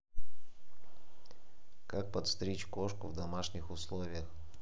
как подстричь кошку в домашних условиях